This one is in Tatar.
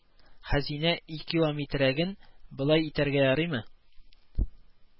Хәзинә икилометрәген болай итәргә ярыймы